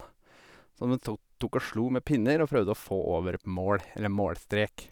Som en tok tok og slo med pinner å prøvde å få over et mål eller målstrek.